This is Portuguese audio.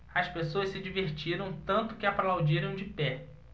as pessoas se divertiram tanto que aplaudiram de pé